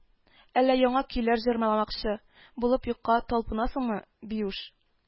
Әллә яңа көйләр җырламакчы булып юкка талпынасыңмы, Биюш